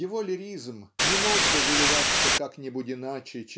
Его лиризм не мог бы выливаться как-нибудь иначе